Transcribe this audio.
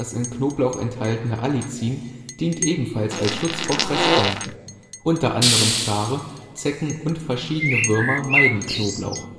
in Knoblauch enthaltene Allicin dient ebenfalls als Schutz vor Fressfeinden: Unter anderem Stare, Zecken und verschiedene Würmer meiden Knoblauch